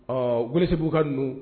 Ɔ, Welesebuguka ninnu